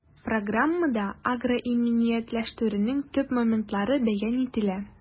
Программада агроиминиятләштерүнең төп моментлары бәян ителә.